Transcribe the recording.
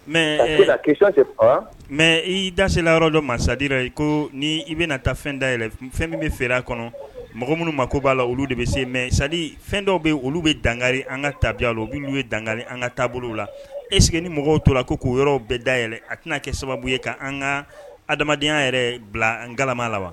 Mɛ mɛ i dasela yɔrɔ dɔ masadira ko ni i bɛna taa fɛn daɛlɛn fɛn min bɛ feere a kɔnɔ mɔgɔ minnu mako ko b'a la olu de bɛ se mɛ sadi fɛn dɔw bɛ olu bɛ danga an ka tabiya u bɛ' ye danga an ka taabolo la ese ni mɔgɔw tora la ko k'o yɔrɔ bɛɛ da yɛlɛ a tɛna n'a kɛ sababu ye kan an ka adamadenya yɛrɛ bila an gama la wa